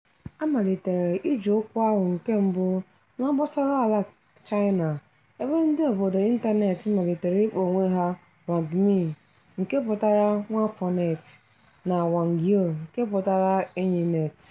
A malitere iji okwu ahụ nke mbụ n'obosaraala China, ebe ndị obodo ịntanetị malitere ịkpọ onwe ha wǎngmín (网民, nke pụtara "nwaafọ-net") na wǎngyǒu (网友, nke pụtara "enyi-net").